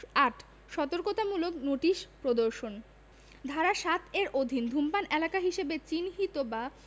৮ সতর্কতামূলক নোটিশ প্রদর্শনঃ ধারা ৭ এর অধীন ধুমপান এলাকা হিসাবে চিহ্নিত বা